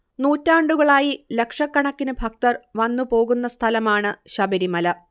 നൂറ്റാണ്ടുകളായി ലക്ഷക്കണക്കിന് ഭക്തർ വന്നു പോകുന്ന സഥലമാണ് ശബരിമല